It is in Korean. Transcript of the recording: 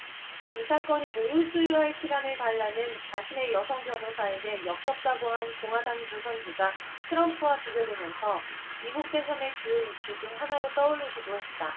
이 사건이 모유 수유할 시간을 달라는 자신의 여성 변호사에게 역겹다고 한 공화당 대선 주자 트럼프와 비교되면서 미국 대선의 주요 이슈 중 하나로 떠오르기도 했다